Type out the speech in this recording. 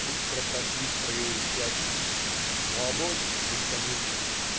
Быстро прошли строевые части, но обоз бесконечен.